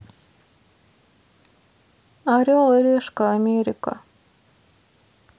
орел и решка америка